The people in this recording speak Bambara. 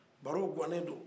baro gannen do